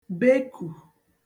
bekù